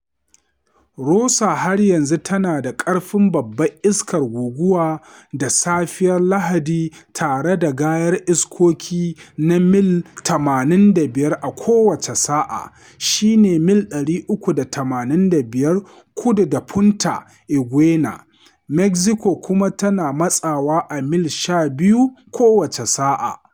Rosa, har yanzu tana da ƙarfin babbar iskar guguwa da safiyar Lahadi tare da gayar iskoki na mil 85 a kowace sa’a, shi ne mil 385 kudu da Punta Eugenia, Mexico kuma tana matsawa a mil 12 kowace sa’a.